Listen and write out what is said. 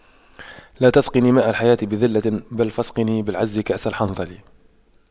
لا تسقني ماء الحياة بذلة بل فاسقني بالعز كأس الحنظل